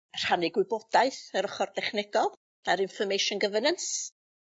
Rhannu gwybodaeth yr ochor dechnegol a'r Information Governance.